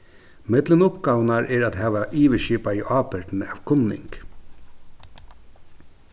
millum uppgávurnar er at hava yvirskipaðu ábyrgdina av kunning